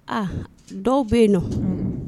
A dɔw bɛ yen nɔ